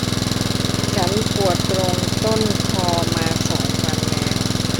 ฉันปวดตรงต้นคอมาสองวันแล้ว